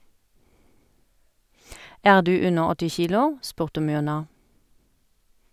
Er du under åtti kilo, spurte Myrna.